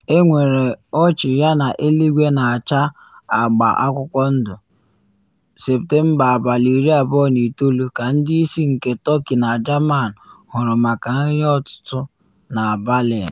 Enwere ọchị yana eluigwe na acha agba akwụkwọ ndụ (Septemba 29) ka ndị isi nke Turkey na Germany hụrụ maka nri ụtụtụ na Berlin.